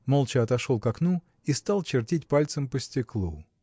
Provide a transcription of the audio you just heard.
молча отошел к окну и стал чертить пальцем по стеклу.